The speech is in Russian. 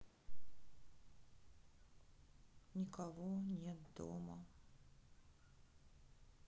никого нет дома